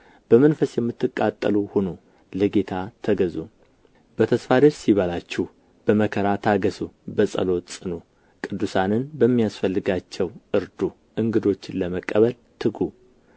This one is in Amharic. በመንፈስ የምትቃጠሉ ሁኑ ለጌታ ተገዙ በተስፋ ደስ ይበላችሁ በመከራ ታገሡ በጸሎት ጽኑ ቅዱሳንን በሚያስፈልጋቸው እርዱ እንግዶችን ለመቀበል ትጉ